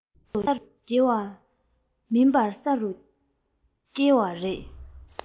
ས རུ འགྱེལ བ མིན པར ས རུ བསྒྱེལ བ རེད